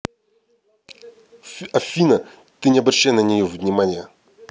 афина ты не обращай на нее внимания